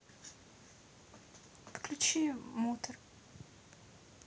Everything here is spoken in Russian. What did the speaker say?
включи мутор